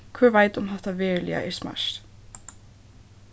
hvør veit um hatta veruliga er smart